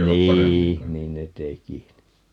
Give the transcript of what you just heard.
niin niin ne teki -